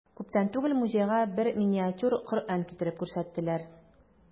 Күптән түгел музейга бер миниатюр Коръән китереп күрсәттеләр.